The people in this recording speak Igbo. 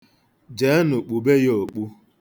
Jeenụ kpube ya okpu.